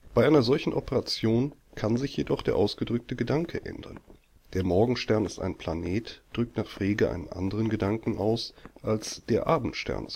Bei einer solchen Operation kann sich jedoch der ausgedrückte Gedanke ändern, „ der Morgenstern ist ein Planet “drückt nach Frege einen anderen Gedanken aus als „ der Abendstern